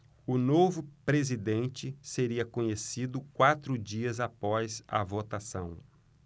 o novo presidente seria conhecido quatro dias após a votação